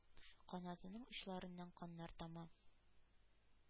Канатының очларыннан каннар тама,